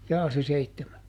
jaa se seitsemän